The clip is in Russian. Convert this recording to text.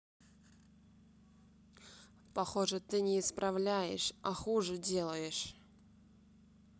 похоже ты не исправляешь а хуже делаешь